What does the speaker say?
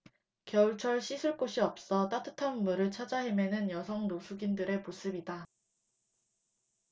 겨울철 씻을 곳이 없어 따뜻한 물을 찾아 헤매는 여성 노숙인들의 모습이다